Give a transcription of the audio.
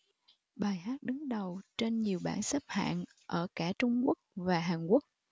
bài hát đứng đầu trên nhiều bảng xếp hạng ở cả trung quốc và hàn quốc